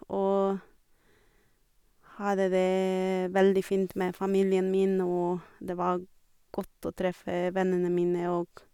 Og hadde det veldig fint med familien min, og det var godt å treffe vennene mine òg.